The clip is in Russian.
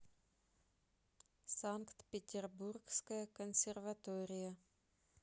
санкт петербургская консерватория